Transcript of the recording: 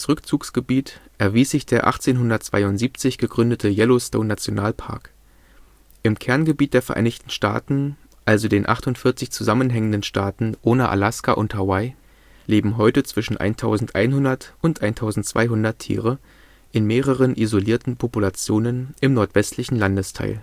Rückzugsgebiet erwies sich der 1872 gegründete Yellowstone-Nationalpark. Im Kerngebiet der Vereinigten Staaten (den 48 zusammenhängenden Staaten ohne Alaska und Hawaii) leben heute zwischen 1100 und 1200 Tiere in mehreren isolierten Populationen im nordwestlichen Landesteil